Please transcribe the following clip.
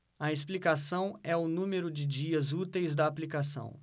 a explicação é o número de dias úteis da aplicação